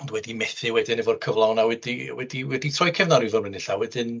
Ond wedi methu wedyn efo'r cyflawn a wedi, wedi, wedi troi cefn a rhyw fymryn ella, wedyn...